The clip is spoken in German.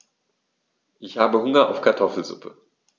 Ich habe Hunger auf Kartoffelsuppe.